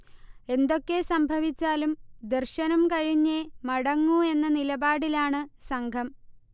എന്തൊക്കെ സംഭവിച്ചാലും ദർശനം കഴിഞ്ഞേ മടങ്ങൂ എന്ന നിലപാടിലാണ് സംഘം